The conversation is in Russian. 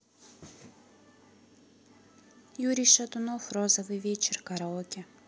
юрий шатунов розовый вечер караоке